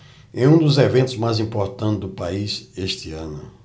é um dos eventos mais importantes do país este ano